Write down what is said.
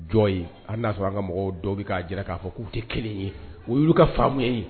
Jɔn ye an'a sɔrɔ an ka mɔgɔw dɔ bɛ k'a jira k'a fɔ k' tɛ kelen ye o y ka faamuyamu ye